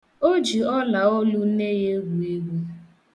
O ji ọlaolu nne ya egwù egwu.